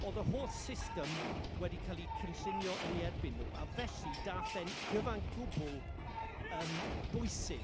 oedd y holl system wedi cael ei cynllunio yn ei erbyn nhw, a felly daeth e'n gyfangwbl yym bwysig